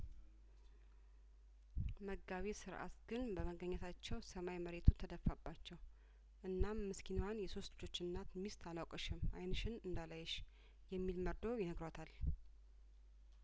መጋቤ ስርአት ግን በመገኘታቸው ሰማይ መሬቱ ተደፋባቸው እናም ምስኪንዋን የሶስት ልጆች እናት ሚስት አላውቅሽም አይንሽን እንዳላይሽ የሚል መርዶ ይነግሯታል